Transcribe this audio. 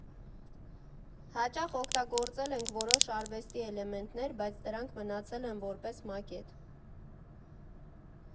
Հաճախ օգտագործել ենք որոշ արվեստի էլեմենտներ, բայց դրանք մնացել են որպես մակետ։